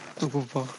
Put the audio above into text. Dw gwbo.